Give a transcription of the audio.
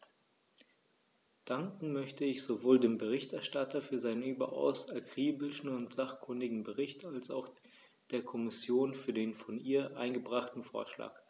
Danken möchte ich sowohl dem Berichterstatter für seinen überaus akribischen und sachkundigen Bericht als auch der Kommission für den von ihr eingebrachten Vorschlag.